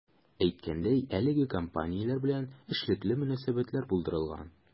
Әйткәндәй, әлеге компанияләр белән эшлекле мөнәсәбәтләр булдырылган.